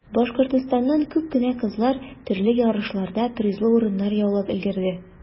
Башкортстаннан күп кенә кызлар төрле ярышларда призлы урыннар яулап өлгерде.